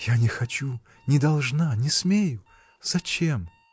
— Я не хочу, не должна, не смею! Зачем?.